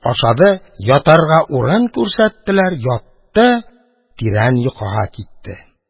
Ятарга урын күрсәттеләр — ятты, тирән йокыга китте.